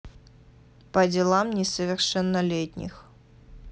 по делам несовершеннолетних